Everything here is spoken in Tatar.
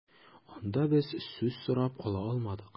Анда без сүз сорап ала алмадык.